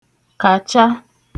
kàcha